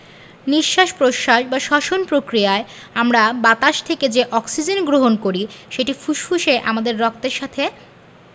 নিঃশ্বাস প্রশ্বাস বা শ্বসন প্রক্রিয়ায় আমরা বাতাস থেকে যে অক্সিজেন গ্রহণ করি সেটি ফুসফুসে আমাদের রক্তের সাথে